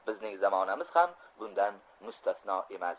bizning zamonamiz ham bundan mustasno emas